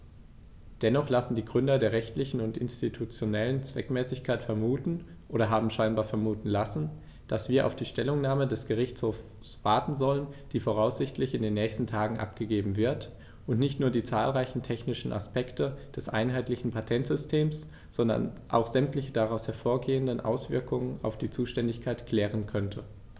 Dennoch lassen die Gründe der rechtlichen und institutionellen Zweckmäßigkeit vermuten, oder haben scheinbar vermuten lassen, dass wir auf die Stellungnahme des Gerichtshofs warten sollten, die voraussichtlich in den nächsten Tagen abgegeben wird und nicht nur die zahlreichen technischen Aspekte des einheitlichen Patentsystems, sondern auch sämtliche daraus hervorgehenden Auswirkungen auf die Zuständigkeit klären könnte.